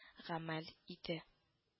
Гамәл иде